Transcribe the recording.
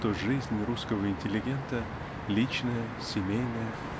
что жизнь русского интеллигента -- личная семейная